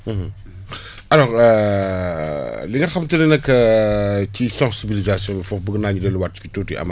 alors li nga xam te ne nag ci sensibilisation bugg naa ñu delluwaat ci tuuti Amath